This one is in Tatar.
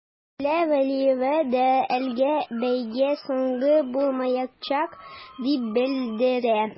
Зилә вәлиева да әлеге бәйге соңгысы булмаячак дип белдерә.